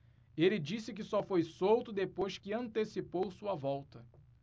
ele disse que só foi solto depois que antecipou sua volta